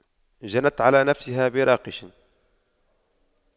جنت على نفسها براقش